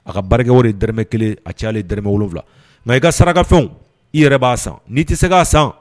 A ka barikakɛw dɛrɛmɛ kelen a caya ale d wolowula nka i ka sarakafɛnw i yɛrɛ b'a san ni tɛ se k'a san